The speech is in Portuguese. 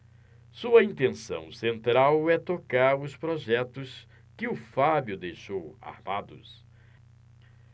sua intenção central é tocar os projetos que o fábio deixou armados